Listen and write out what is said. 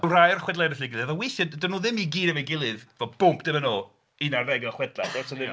Mae rhai o'r chwedlau efo'i gilydd ond weithiau dydyn nhw ddim i gyd efo'i gilydd, un ar ddeg o chwedlau.